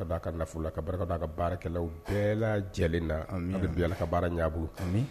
allah ka barika don a ka nafolo la, allah ka barika don a ka baarakɛlaw bɛɛ lajɛlen na, hali allah ka baara ɲa aw bolo!